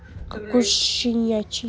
какой щенячий